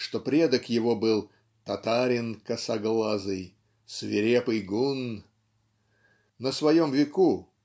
что предок его был "татарин косоглазый свирепый гунн". На своем веку